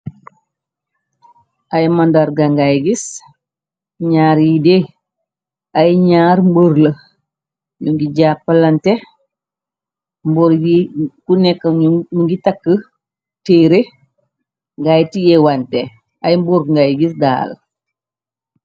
Ay màndarga ngay gis ñaar yi dee ay ñaari mbur la ñu ngi jàppalante mboor yi ku nekkam ngi takk téere ngaay tiyewante ay mbor ngay gis daal.